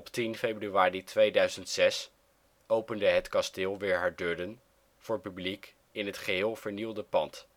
10 februari 2006 opende Het Kasteel weer haar deuren voor publiek in het geheel vernieuwde pand